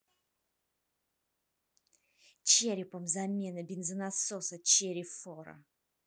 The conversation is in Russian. черепом замена бензонасоса черри фора